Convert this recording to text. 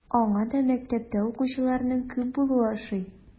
Аңа да мәктәптә укучыларның күп булуы ошый.